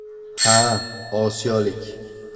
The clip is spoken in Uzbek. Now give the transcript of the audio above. ha osiyolik